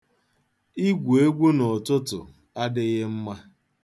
Igwu egwu n'ụtụtụ adịghị mma.